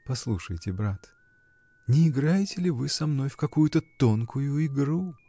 — Послушайте, брат: не играете ли вы со мной в какую-то тонкую игру?.